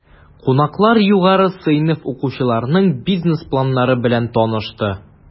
Кунаклар югары сыйныф укучыларының бизнес планнары белән танышты.